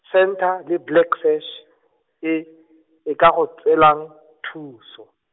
Centre le Blacksash e, e ka go tswelang, thuso.